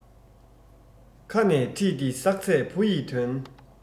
ཁ ནས ཕྲིས ཏེ བསགས ཚད བུ ཡི དོན